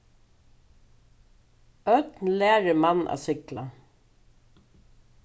ódn lærir mann at sigla